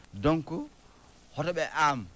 donc hotoɓe aam